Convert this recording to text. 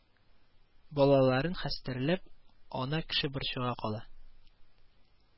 Балаларын хәстәрләп ана кеше борчуга кала